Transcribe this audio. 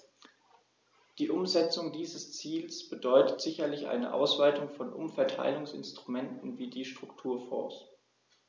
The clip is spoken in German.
Die Umsetzung dieses Ziels bedeutet sicherlich eine Ausweitung von Umverteilungsinstrumenten wie die Strukturfonds.